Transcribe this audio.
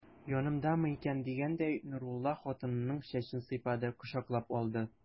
Янымдамы икән дигәндәй, Нурулла хатынының чәчен сыйпады, кочаклап алды.